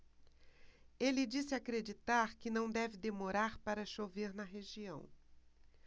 ele disse acreditar que não deve demorar para chover na região